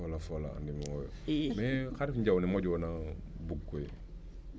folafoor a ndimongoyo xar def njaw ne moƴona bug koy